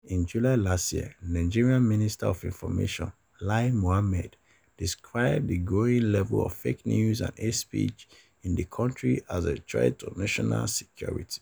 In July last year, Nigerian Minister of Information Lai Mohammed described the growing level of fake news and hate speech in the country as a threat to national security.